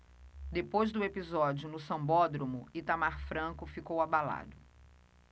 depois do episódio do sambódromo itamar franco ficou abalado